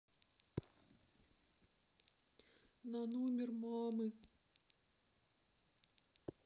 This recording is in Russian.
на номер мамы